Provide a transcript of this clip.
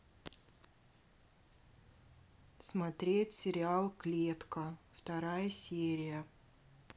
смотреть сериал клетка вторая серия